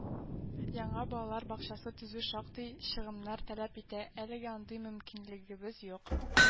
Яңа балалар бакчасы төзү шактый чыгымнар таләп итә, әлегә андый мөмкинлегебез юк.